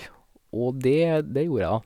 Og det det gjorde jeg, da.